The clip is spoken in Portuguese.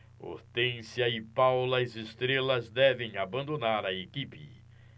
hortência e paula as estrelas devem abandonar a equipe